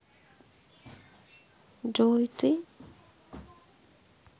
джой ты питух